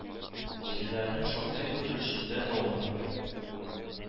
Җирләренең шактый зур өлешендә таулар бар